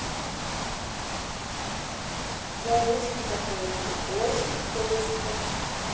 я очень такое иду очень быстро